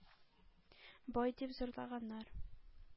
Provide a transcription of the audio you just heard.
“бай“ дип зурлаганнар.